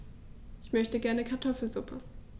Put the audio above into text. Ich möchte gerne Kartoffelsuppe.